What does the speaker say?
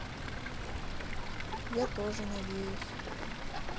я тоже надеюсь